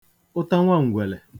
ụtanwaǹgwèlè